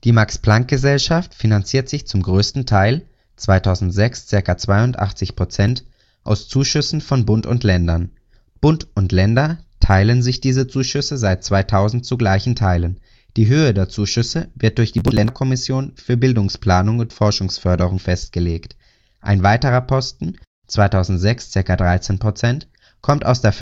Max-Planck-Gesellschaft finanziert sich zum größten Teil (2006: ca. 82 %) aus Zuschüssen von Bund und Ländern. Bund und Länder teilen sich diese Zuschüsse seit 2000 zu gleichen Teilen, die Höhe der Zuschüsse wird durch die Bund-Länder-Kommission für Bildungsplanung und Forschungsförderung festgelegt. Ein weiterer Posten (2006: ca. 13 %) kommt aus der